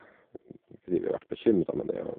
Kan ikke si vi har vært bekymra, men det har...